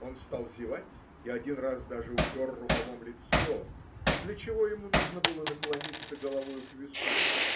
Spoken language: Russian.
Он стал зевать и один раз даже утер рукавом лицо, для чего ему нужно было наклониться головою к веслу.